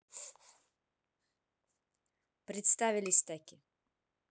представились таки